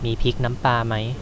มีพริกน้ำปลาไหม